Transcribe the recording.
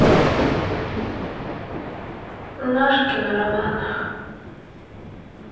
наш кинороман